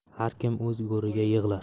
har kim o'z go'riga yig'lar